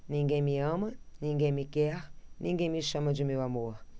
ninguém me ama ninguém me quer ninguém me chama de meu amor